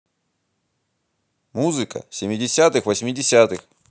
музыка семидесятых восьмидесятых